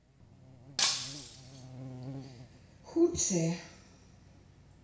худшее